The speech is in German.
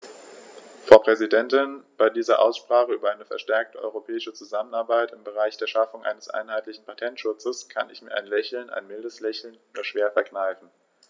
Frau Präsidentin, bei dieser Aussprache über eine verstärkte europäische Zusammenarbeit im Bereich der Schaffung eines einheitlichen Patentschutzes kann ich mir ein Lächeln - ein mildes Lächeln - nur schwer verkneifen.